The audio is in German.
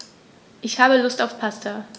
Ich habe Lust auf Pasta.